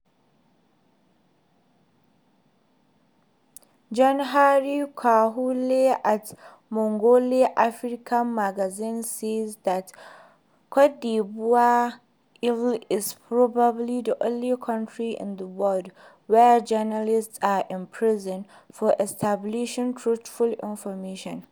John Henry Kwahulé at Nouvelle Afrique magazine says that Côte d'Ivoire is probably the only country in the world where journalists are imprisoned for publishing truthful information.